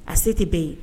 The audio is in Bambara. A se tɛ bɛ ye.